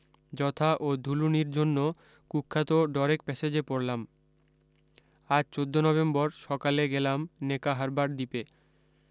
ঝথা ও দুলুনির জন্য কুখ্যাত ডরেক প্যাসেজে পড়লাম আজ চোদ্দ নভেম্বর সকালে গেলাম নেকা হারবার দ্বীপে